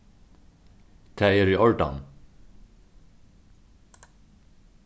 tað er í ordan